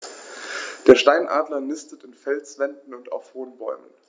Der Steinadler nistet in Felswänden und auf hohen Bäumen.